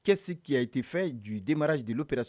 Kesi kɛ i tɛ denra jeliwere